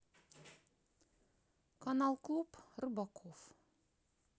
канал клуб рыбаков